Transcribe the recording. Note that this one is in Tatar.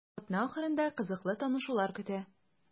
Атна ахырында кызыклы танышулар көтә.